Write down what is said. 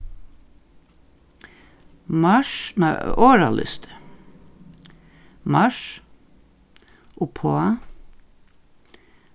mars orðalisti mars uppá